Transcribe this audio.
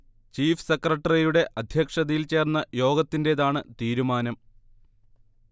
chief സെക്രട്ടറിയുടെ അധ്യക്ഷതയിൽ ചേർന്ന യോഗത്തിൻറേതാണ് തീരുമാനം